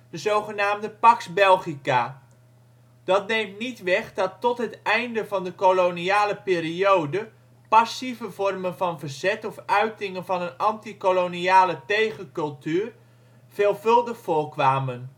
de zogenaamde ' pax belgica '. Dat neemt niet weg dat tot het einde van de koloniale periode passieve vormen van verzet of uitingen van een anti-koloniale tegen-cultuur veelvuldig voorkwamen